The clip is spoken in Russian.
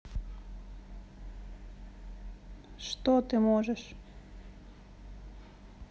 что ты можешь